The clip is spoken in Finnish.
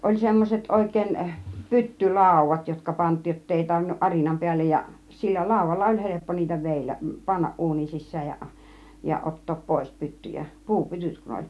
oli semmoiset oikein - pyttylaudat jotka pantiin jotta ei tarvinnut arinan päälle ja sillä laudalla oli helppo niitä vedellä panna uunin sisään ja ja ottaa pois pyttyjä - puupytyt kun oli